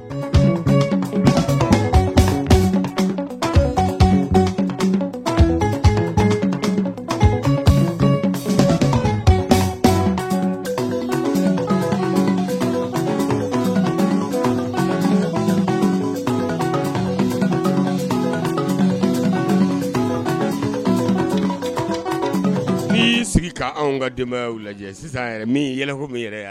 N'i sigi k' anw ka denbayaw lajɛ yɛlɛ min yɛrɛ